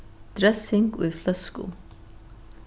dressing í fløsku